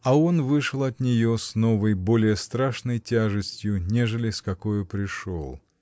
А он вышел от нее с новой, более страшной тяжестью, нежели с какою пришел.